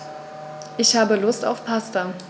Ich habe Lust auf Pasta.